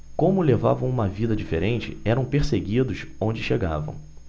como levavam uma vida diferente eram perseguidos onde chegavam